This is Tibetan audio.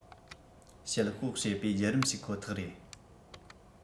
དཔྱད དཔོག བྱེད པའི བརྒྱུད རིམ ཞིག ཁོ ཐག རེད